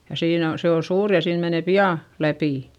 ja siinä on se on suuri ja siinä menee pian läpi